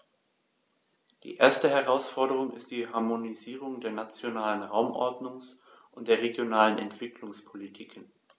Die erste Herausforderung ist die Harmonisierung der nationalen Raumordnungs- und der regionalen Entwicklungspolitiken.